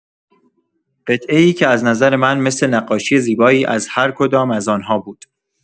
قطعه‌ای که از نظر من مثل نقاشی زیبایی از هر کدام از آن‌ها بود.